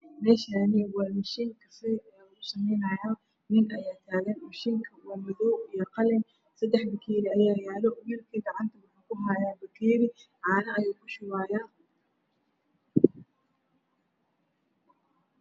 Meeshaan waa mishiin kafay lugu sameynaayo nin ayaa taagan mishiinka waa madow iyo qalin. Seddex bakeeri ayaa yaalo ninku waxuu gacanta kuhayaa bakeeri caano ayuu kushubahayaa.